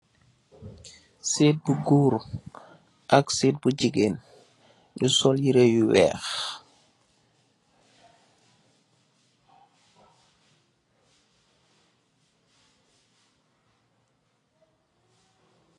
Sëët bu Goor ak sëët bu jigéen, yu sol yire yu weex,